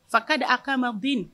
Fa di a kamama bin